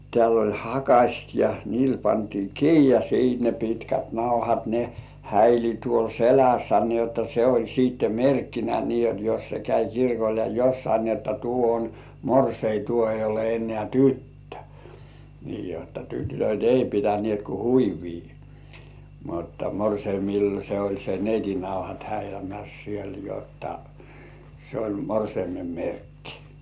täällä oli hakaset ja niillä pantiin kiinni ja sitten ne pitkät nauhat ne häili tuolla selässä niin jotta se oli sitten merkkinä niin jotta jos se kävi kirkolla ja jossakin niin että tuo on morsian tuo ei ole enää tyttö niin jotta tytöt ei pitäneet kuin huivia mutta morsiamilla se oli se neitin nauhat häilämässä siellä jotta se oli morsiamen merkki